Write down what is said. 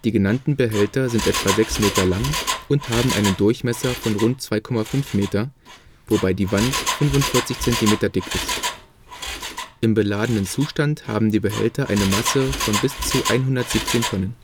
genannten Behälter sind etwa 6 m lang und haben einen Durchmesser von rund 2,50 m, wobei die Wand 45 cm dick ist. Im beladenen Zustand haben die Behälter eine Masse von bis zu 117 Tonnen